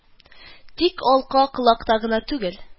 Тик алка колакта гына түгел